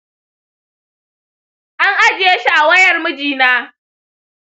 an ajiye shi a wayar mijina.